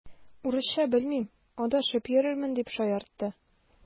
Урысча белмим, адашып йөрермен, дип шаяртты.